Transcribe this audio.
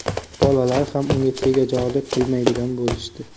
bolalar ham unga tegajog'lik qilmaydigan bo'lishdi